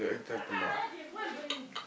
exactement